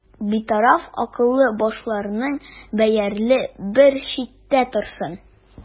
Битараф акыллы башларның бәяләре бер читтә торсын.